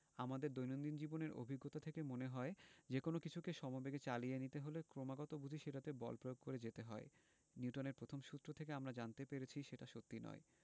আমাদের দৈনন্দিন জীবনের অভিজ্ঞতা থেকে মনে হয় যেকোনো কিছুকে সমবেগে চালিয়ে নিতে হলে ক্রমাগত বুঝি সেটাতে বল প্রয়োগ করে যেতে হয় নিউটনের প্রথম সূত্র থেকে আমরা জানতে পেরেছি সেটা সত্যি নয়